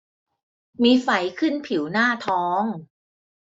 มีไฝขึ้นผิวหน้าท้อง